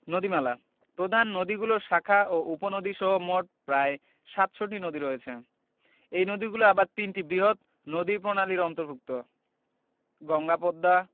নদীমালাঃ প্রধান নদীগুলোর শাখা ও উপনদীসহ মোট প্রায় ৭০০ নদী রয়েছে এই নদীগুলো আবার তিনটি বৃহৎ নদীপ্রণালীর অন্তর্ভুক্ত গঙ্গা পদ্মা